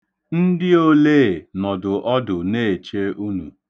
Ndị olee nọdụ ọdụ na-eche unu.